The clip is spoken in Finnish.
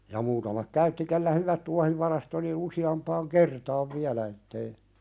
ja muutaman käytti kenellä hyvät tuohivarasto oli noin useampaan kertaan vielä että ei